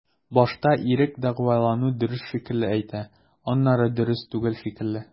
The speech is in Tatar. Башта ирек дәгъвалауны дөрес шикелле әйтә, аннары дөрес түгел шикелле.